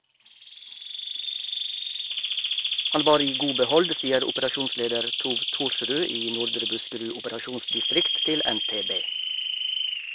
Han var i god behold, sier operasjonsleder Thov Thorsrud i Nordre Buskerud operasjonsdistrikt til NTB.